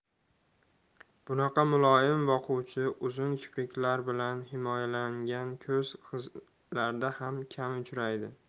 bunaqa muloyim boquvchi uzun kipriklar bilan himoyalangan ko'z qizlarda ham kam uchraydi